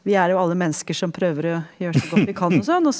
vi er jo alle mennesker som prøver å gjøre så godt vi kan og sånn.